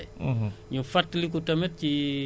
bu ñëwee ci bureau ba